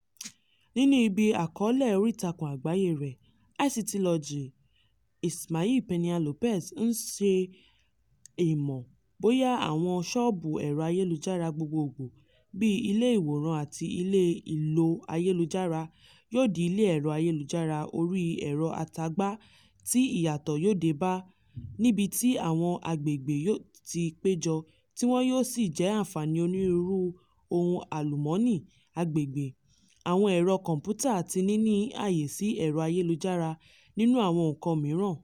Nínú ibi àkọọ́lẹ̀ oríìtakùn àgbáyé rẹ̀ ICTlogy, Ismael Peña-López ń ṣe èmọ̀ bóyá àwọn sọ́ọ̀bù ẹ̀rọ ayélujára gbogbogbò bíi ilé ìwòran àti ilé ìlò ayélujára yóò di ilé ẹ̀rọ ayélujára orí ẹ̀rọ àtagba tí ìyàtọ̀ yóò dé bá, "níbi tí àwọn àgbègbè yóò ti péjọ tí wọ́n yóò sì jẹ àǹfààní onírúurú ohun àlùmọ́ọ́nì àgbègbè, àwọn ẹ̀rọ kọ̀m̀pútà àti níní ààyè sí ẹ̀rọ ayélujára nínú àwọn nǹkan mìíràn?